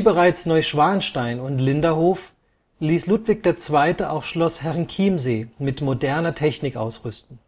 bereits Neuschwanstein und Linderhof ließ Ludwig II. auch Schloss Herrenchiemsee mit moderner Technik ausrüsten.